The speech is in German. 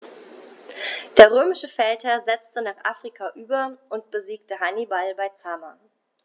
Der römische Feldherr setzte nach Afrika über und besiegte Hannibal bei Zama.